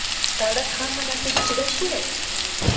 soldat hamma narsaga chidashi kerak